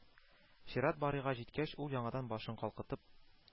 Чират Барыйга җиткәч, ул яңадан башын калкытып